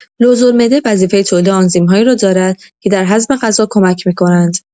لوزالمعده وظیفه تولید آنزیم‌هایی را دارد که در هضم غذا کمک می‌کنند.